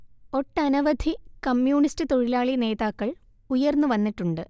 ഒട്ടനവധി കമ്യൂണിസ്റ്റ് തൊഴിലാളി നേതാക്കൾ ഉയർന്നു വന്നിട്ടുണ്ട്